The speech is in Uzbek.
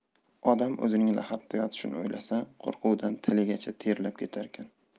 odam o'zining lahadda yotishini o'ylasa qo'rquvdan tiligacha terlab ketarkan